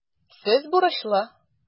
Сез бурычлы.